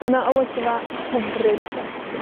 Dyna olygfa hyfryd, 'de?